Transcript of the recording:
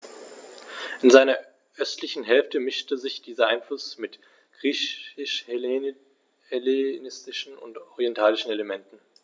In seiner östlichen Hälfte mischte sich dieser Einfluss mit griechisch-hellenistischen und orientalischen Elementen.